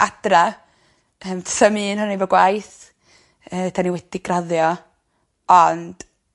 adra yym 'sam un o ni hefo gwaith yy 'dyn ni wedi graddio ond